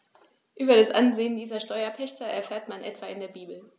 Über das Ansehen dieser Steuerpächter erfährt man etwa in der Bibel.